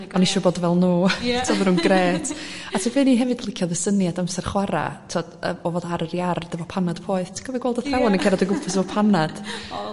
oni isio bod fel n'w ie t'go ma nw'n grêt a ti gwbo be oni hefyd licio odd y syniad amser chwara' t'od y o fod ar yr iard efo panad poeth ti'n cofio gweld athrawon yn cerad o'gwmpas efo panad